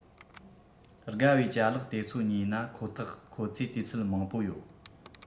དགའ བའི ཅ ལག དེ ཚོ ཉོས ན ཁོ ཐག ཁོ ཚོས དུས ཚོད མང པོ ཡོད